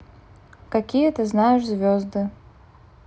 какие ты знаешь звезды